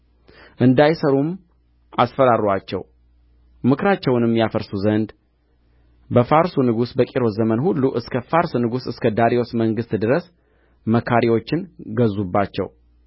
እንዳይሠሩም አስፈራሩአቸው ምክራቸውንም ያፈርሱ ዘንድ በፋርሱ ንጉሥ በቂሮስ ዘመን ሁሉ እስከ ፋርስ ንጉሥ እስከ ዳርዮስ መንግሥት ድረስ መካሪዎችን ገዙባቸው